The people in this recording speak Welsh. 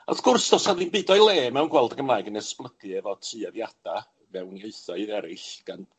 A wrth gwrs, does 'na ddim byd o'i le mewn gweld y Gymraeg yn esblygu efo tueddiada mewn ieithoedd eryll, gan